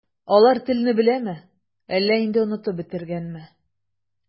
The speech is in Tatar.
Алар телне беләме, әллә инде онытып бетергәнме?